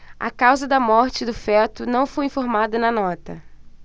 a causa da morte do feto não foi informada na nota